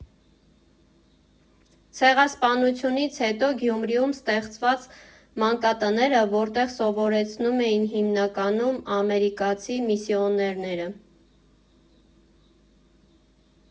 Ցեղասպանությունից հետո Գյումրիում ստեղծված մանկատները, որտեղ սովորեցնում էին հիմնականում ամերիկացի միսիոներները։